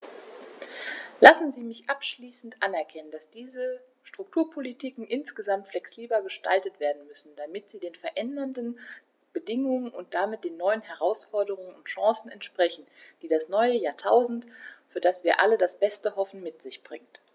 Lassen Sie mich abschließend anmerken, dass die Strukturpolitiken insgesamt flexibler gestaltet werden müssen, damit sie den veränderten Bedingungen und damit den neuen Herausforderungen und Chancen entsprechen, die das neue Jahrtausend, für das wir alle das Beste hoffen, mit sich bringt.